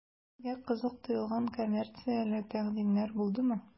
Сезгә кызык тоелган коммерцияле тәкъдимнәр булдымы?